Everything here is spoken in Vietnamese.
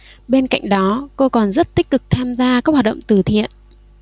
bên cạnh đó cô còn rất tích cực tham gia các hoạt động từ thiện